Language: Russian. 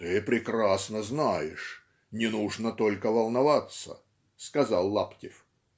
"Ты прекрасно знаешь, не нужно только волноваться, - сказал Лаптев.